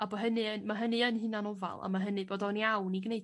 A bo' hynny yn ma' hynny yn hunanofal a ma' hynny bod o'n iawn i gneud